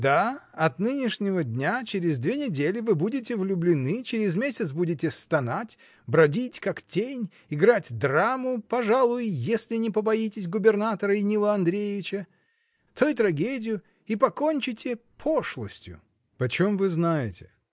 — Да, от нынешнего дня через две недели вы будете влюблены, через месяц будете стонать, бродить как тень, играть драму, пожалуй, если не побоитесь губернатора и Нила Андреевича, то и трагедию, и кончите пошлостью. — Почем вы знаете?